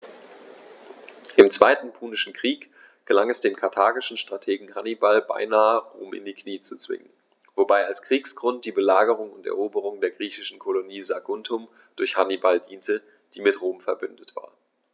Im Zweiten Punischen Krieg gelang es dem karthagischen Strategen Hannibal beinahe, Rom in die Knie zu zwingen, wobei als Kriegsgrund die Belagerung und Eroberung der griechischen Kolonie Saguntum durch Hannibal diente, die mit Rom „verbündet“ war.